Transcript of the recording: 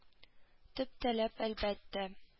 Төп талап әлбәттә